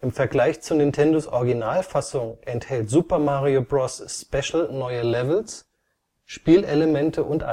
Vergleich zu Nintendos Originalfassung enthält Super Mario Bros. Special neue Levels, Spielelemente und